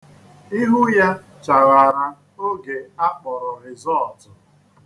Ihu ya chaghara oge a kpọrọ rezọọtụ.